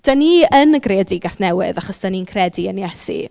Dan ni yn y greadigaeth newydd achos dan ni'n credu yn Iesu.